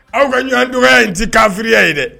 Aw ka ɲɔgɔn dɔgɔya in tɛ kafiriya ye dɛ.